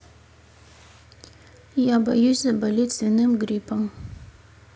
я боюсь заболеть свиным гриппом